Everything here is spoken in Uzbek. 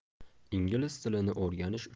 ingliz tilini o'rganish